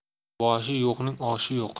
boshi yo'qning oshi yo'q